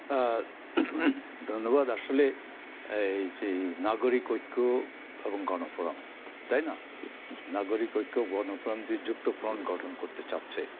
ধন্যবাদ আসলে এই যে নাগরিক ঐক্য এবং গণফোরাম তাইনা নাগরিক ঐক্য গণফোরাম যে যুক্তফ্রন্ট গঠন করতে চাচ্ছে